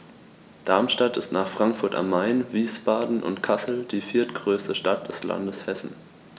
Darmstadt ist nach Frankfurt am Main, Wiesbaden und Kassel die viertgrößte Stadt des Landes Hessen